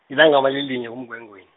ilanga malilinye nguMngwengweni.